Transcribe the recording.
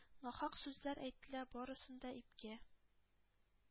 Нахак сүзләр әйтелә, барысын да ипкә